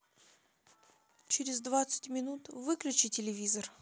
через двадцать минут выключи телевизор